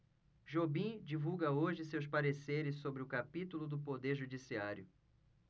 jobim divulga hoje seus pareceres sobre o capítulo do poder judiciário